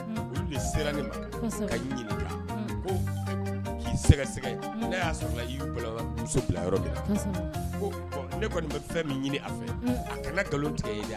K' sɛgɛsɛgɛ ne y'a sɔrɔ y muso bila yɔrɔ ne kɔni bɛ fɛn min ɲini a fɛ a kana nkalon tigɛ e